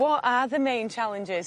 What are the main challenges?